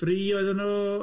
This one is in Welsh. Free oedden nhw?